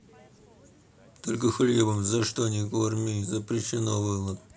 только хлебом за что не корми запрещено было